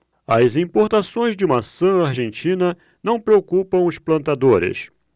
as importações de maçã argentina não preocupam os plantadores